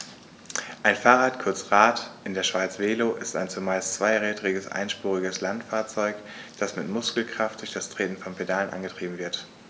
Ein Fahrrad, kurz Rad, in der Schweiz Velo, ist ein zumeist zweirädriges einspuriges Landfahrzeug, das mit Muskelkraft durch das Treten von Pedalen angetrieben wird.